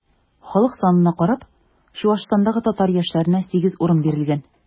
Халык санына карап, Чуашстандагы татар яшьләренә 8 урын бирелгән.